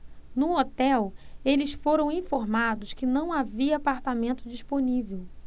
no hotel eles foram informados que não havia apartamento disponível